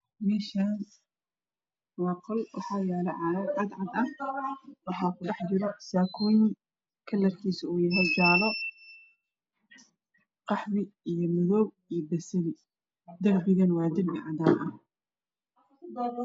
Meshas waa Qol waxa yalo cagag cadcadah Waxa ku dhaxjiro saa kooyin kalsrkisu uu yahay jaalo qaxwi iyo madow iyo basali darbiganawadarbi cadanah